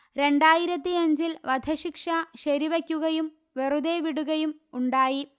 രണ്ടായിരത്തിയഞ്ചിൽ വധശിക്ഷ ശരി വയ്ക്കുകയും വെറുതെ വിടുകയും ഉണ്ടായി